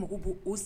Mugu b'